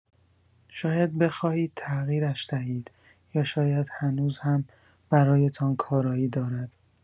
شاید بخواهید تغییرش دهید یا شاید هنوز هم برایتان کارایی دارد.